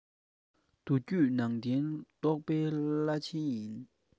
མདོ རྒྱུད ནང བསྟན རྟོགས པའི བླ ཆེན ཡིན